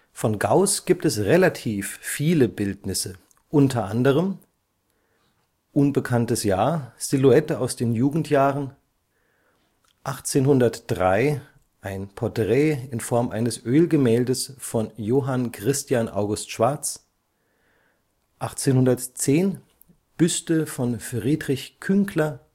Von Gauß gibt es relativ viele Bildnisse, unter anderem: 17?? Silhouette aus den Jugendjahren 1803 Porträt (Ölgemälde) von Johann Christian August Schwarz (1755 / 56 – 1814) 1810 Büste von Friedrich Künkler